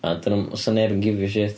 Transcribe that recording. A 'dyn nhw'm... 'sa neb yn gifio shit.